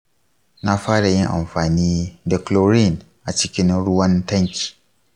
na fara yin amfani da chlorine a cikin ruwan tanki.